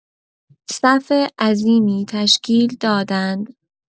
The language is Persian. صف عظیمی تشکیل دادند.